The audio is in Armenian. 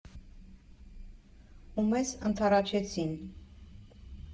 Ու մեզ ընդառաջեցի՜ն»։